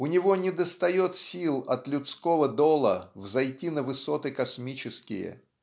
У него недостает сил от людского дола взойти на высоты космические